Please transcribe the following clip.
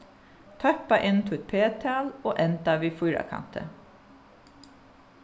tøppa inn títt p-tal og enda við fýrakanti